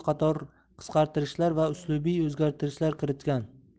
qator qisqartirishlar va uslubiy o'zgartishlar kiritgan